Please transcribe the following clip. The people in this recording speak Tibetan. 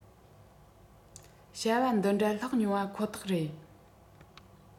བྱ བ འདི འདྲ ལྷག མྱོང པ ཁོ ཐག རེད